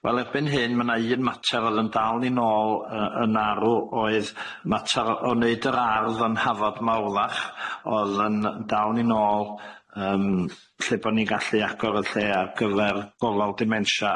Wel erbyn hyn ma' na un mater odd yn dal ni nôl yy yn arw oedd mater o o neud yr ardd yn Hafod Mawlach odd yn yn dal ni nôl yym lle bo' ni gallu agor y lle ar gyfer gofal dimensia